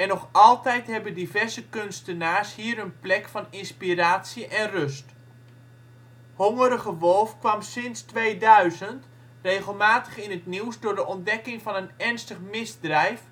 altijd hebben diverse kunstenaars hier hun plek van inspiratie en rust. Hongerige Wolf kwam sinds 2000 regelmatig in het nieuws door de ontdekking van een ernstig misdrijf